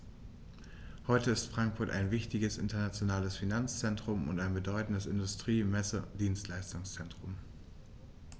Heute ist Frankfurt ein wichtiges, internationales Finanzzentrum und ein bedeutendes Industrie-, Messe- und Dienstleistungszentrum.